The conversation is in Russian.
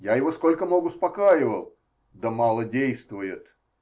Я его сколько мог успокаивал, да мало действует.